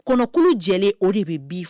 Kɔnɔ j o de bɛ bi fɛ